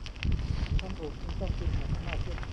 ฉันท้องผูกจึงต้องกินผักให้มากขึ้น